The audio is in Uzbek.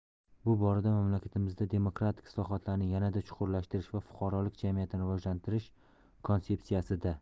bu borada mamlakatimizda demokratik islohotlarni yanada chuqurlashtirish va fuqarolik jamiyatini rivojlantirish konsepsiyasida